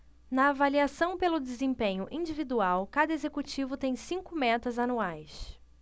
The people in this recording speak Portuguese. na avaliação pelo desempenho individual cada executivo tem cinco metas anuais